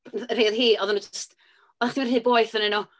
Y rhai oedd hi... oedden nhw jyst... oedda chdi mynd rhy boeth ynddyn nhw.